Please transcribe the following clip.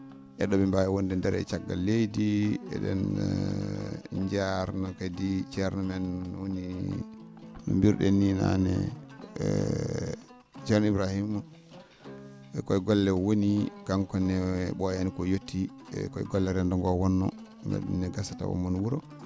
e ?o ?e mbaawi wonde ndeer e caggal leydi e?en jaarno kadi ceerno men woni no mbiru?en nii naane ceerno Ibrahima e koye golle o woni kankone ?ooyaani ko yottii eeyi koye golle renndo ngo o wonnoo ndeen ?um no gasa taw ombona wuro